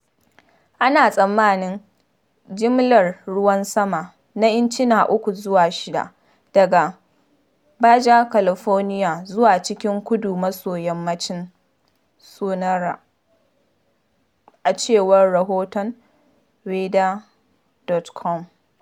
“Ana tsammanin jimillar ruwan sama na incina 3 zuwa 6 daga Baja California zuwa cikin kudu-maso-yammacin Sonora,” a cewar rahoton weather.com.